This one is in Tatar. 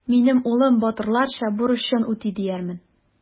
Минем улым батырларча бурычын үти диярмен.